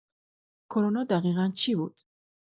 کرونا دقیقا چی بود؟